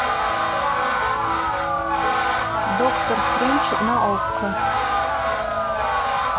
доктор стрэндж на окко